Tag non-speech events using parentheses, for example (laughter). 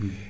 (hesitation) (hesitation)